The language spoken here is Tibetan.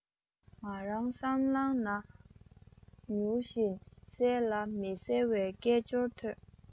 ང རང སྲང ལམ ན ཉུལ བཞིན གསལ ལ མི གསལ བའི སྐད ཅོར ཐོས